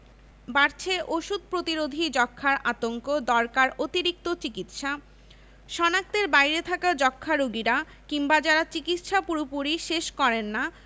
বাড়ছে ওষুধ প্রতিরোধী যক্ষ্মার আতঙ্ক দরকার অতিরিক্ত চিকিৎসা শনাক্তের বাইরে থাকা যক্ষ্মা রোগীরা কিংবা যারা চিকিৎসা পুরোপুরি শেষ করেন না